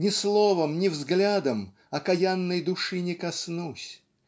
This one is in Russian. Ни словом, ни взглядом Окаянной души не коснусь.